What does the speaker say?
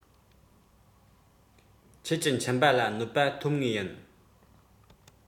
ཁྱེད ཀྱི མཆིན པ ལ གནོད པ ཐོབ ངེས ཡིན